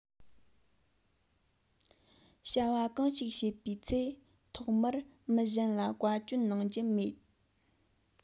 བྱ བ གང ཞིག བྱེད པའི ཚེ ཐོག མར མི གཞན ལ བཀའ བཀྱོན གནང རྒྱུ མེད